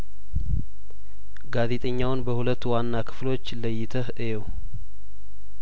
ጋዜጠኛውን በሁለት ዋና ክፍሎች ለይተህ እየው